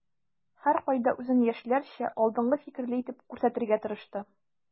Һәркайда үзен яшьләрчә, алдынгы фикерле итеп күрсәтергә тырышты.